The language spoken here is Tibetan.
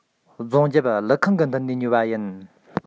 རྫོང རྒྱབ ཀླུ ཁང གི མདུན ནས ཉོས པ ཡིན